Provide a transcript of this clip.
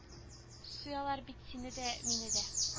Суялар бит сине дә мине дә